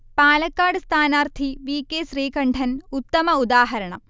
പാലക്കാട് സ്ഥാനാർത്ഥി V. K. Sreekandan ഉത്തമ ഉദാഹരണം